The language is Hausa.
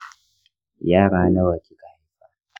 yara nawa kika haifa?